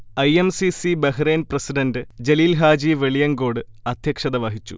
I. M. C. C. Bahrain president Jaleel Haji Veliyankode അദ്ധ്യക്ഷത വഹിച്ചു